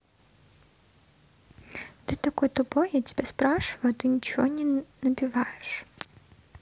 ты такой тупой я тебя спрашиваю а ты ничего не набиваешь